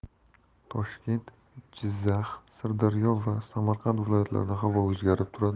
toshkent jizzax sirdaryo va samarqand viloyatlarida havo